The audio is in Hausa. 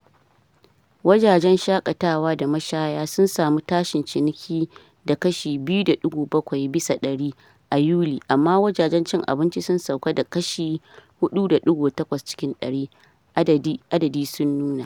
Wajajen shakatawa da mashaya sun samu tashin ciniki da kashi 2.7 bisa dari, a yuli amma wajajen cin abinci sun sauka da kashi 4.8 cikin dari, adadi sun nuna.